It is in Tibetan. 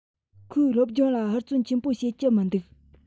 ཁོས སློབ སྦྱོང ལ ཧུར བརྩོན ཆེན པོ བྱེད ཀྱི མི འདུག